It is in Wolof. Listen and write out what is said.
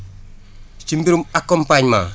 ci mbirum accompagnement